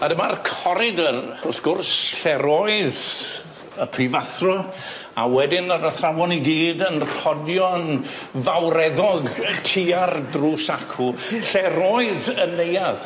A dyma'r corridor wrth gwrs lle roedd y prifathro a wedyn yr athrawon i gyd yn rhodio'n fawreddog yy tua'r drws acw lle roedd yn neuadd.